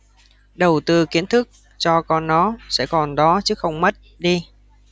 đầu tư kiến thức cho con nó sẽ còn đó chứ không mất đi